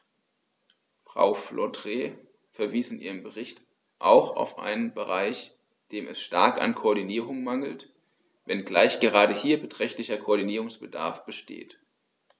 Frau Flautre verwies in ihrem Bericht auch auf einen Bereich, dem es stark an Koordinierung mangelt, wenngleich gerade hier beträchtlicher Koordinierungsbedarf besteht.